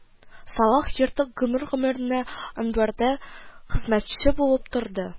Салах Ертык гомер-гомеренә Әнвәрдә хезмәтче булып торды